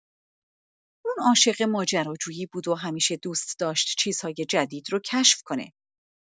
اون عاشق ماجراجویی بود و همیشه دوست داشت چیزهای جدید رو کشف کنه.